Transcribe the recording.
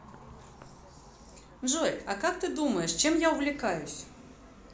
джой а как ты думаешь чем я увлекаюсь